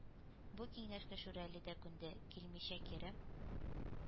Бу киңәшкә Шүрәле дә күнде, килмичә кире,